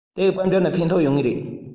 དེའི དཔལ འབྱོར ན ཕན ཐོགས ཡོང ངེས རེད